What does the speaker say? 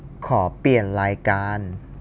ขอเปลี่ยนรายการ